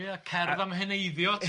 Ie, cerdd am heneiddio timo?